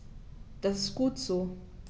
Das ist gut so.